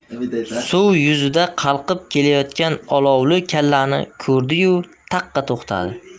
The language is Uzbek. suv yuzida qalqib kelayotgan olovli kallani ko'rdiyu taqqa to'xtadi